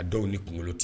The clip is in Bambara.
A dɔw ni kunkolo tɛ